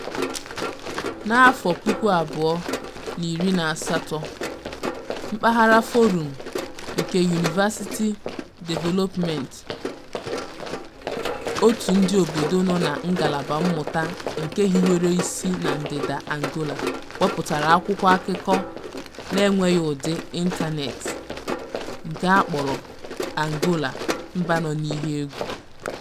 Na 2018, Mpaghara Forum for University Development (FORDU), òtù ndịobodo nọ na ngalaba mmụta nke hiwere isi na ndịda Angola, wepụtara akwụkwọ akụkọ (n'enweghị ụdị ịntaneetị) nke a kpọrọ “Angola, mba nọ n'ihe egwu”.